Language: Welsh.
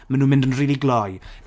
Ma' nhw'n mynd yn rili gloi.